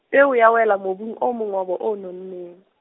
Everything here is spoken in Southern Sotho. peo ya wela mobung o mongobo oo nonneng.